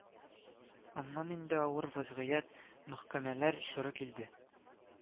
Аннан инде авыр вазгыять, мәхкәмәләр чоры килде